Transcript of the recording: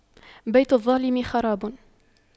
بيت الظالم خراب